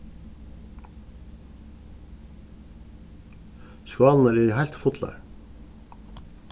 skálirnar eru heilt fullar